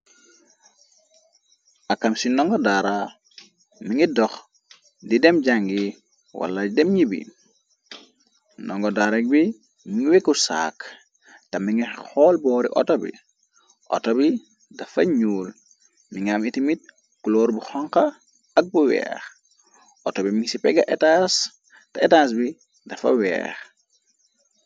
Akam ci ndongo daara, mi ngi dox di dem jàngi, wala dem ñi bi, ndongo daara bi mi weku saak, te mi ngi xool boori auto bi, auto bi dafa ñuul, mi ngaam iti mit kuloor bu xonxa, ak bu weex, auto bi mi ci pega etaas, te etas bi dafa weex.